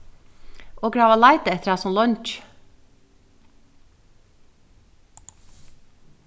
okur hava leitað eftir hasum leingi